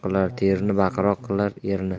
qilar terini baqiroq qilar erini